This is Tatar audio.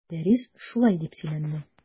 Мөдәррис шулай дип сөйләнде.